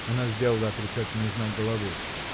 Она сделала отрицательный знак головой.